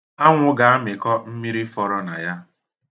Anwụ ga-amịko mmiri fọrọ na ya.